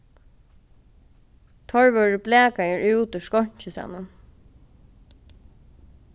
teir vórðu blakaðir út úr skeinkistaðnum